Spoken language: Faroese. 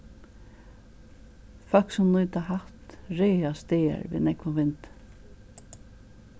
fólk sum nýta hatt ræðast dagar við nógvum vindi